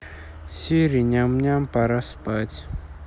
сири ням ням пора спать